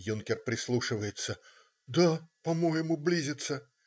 Юнкер прислушивается: "Да, по-моему, близится".